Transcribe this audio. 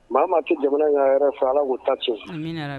Maa maa tɛ jamana ɲ yɛrɛ fɛ ala k'u ta